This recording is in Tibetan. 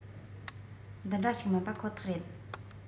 འདི འདྲ ཞིག མིན པ ཁོ ཐག རེད